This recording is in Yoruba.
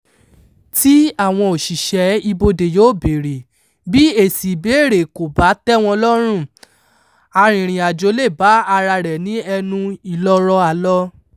tí àwọn òṣìṣẹ́ ibodè yóò béèrè, bí èsì ìbéèrè kò bá tẹ́ wọn lọ́rùn, arìnrìn-àjó lè bá ara rẹ̀ ní ẹnu ìloro àlọ.